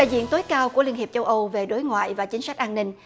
diện tối cao của liên hiệp châu âu về đối ngoại và chính sách an ninh